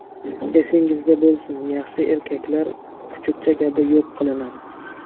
esingizda bo'lsin yaxshi erkaklar kuchukcha kabi yo'q qilinadi